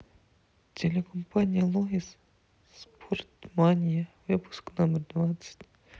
телекомпания логос спортмания выпуск номер двадцать